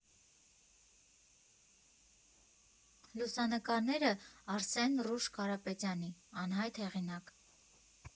Լուսանկարները՝ Արսեն Շուռ Կարապետյանի, Անհայտ հեղինակ։